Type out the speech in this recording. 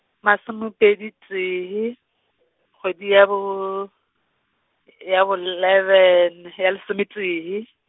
masomepedi tee, kgwedi ya bo, ya bo l- lebese, ya lesometee.